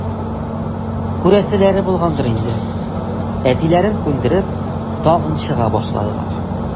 Күрәселәре булгандыр инде, әтиләрен күндереп, тагын чыга башладылар.